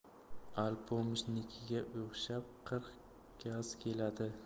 alpomishnikiga o'xshab qirq gaz keladi